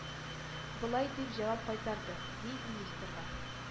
Болай дип җавап кайтарды, ди, министрга: